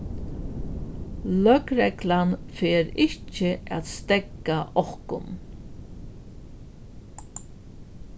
løgreglan fer ikki at steðga okkum